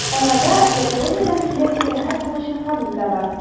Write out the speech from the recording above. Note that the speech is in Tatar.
Арада, Япониядән килеп, сәяхәт кылучы ханым да бар.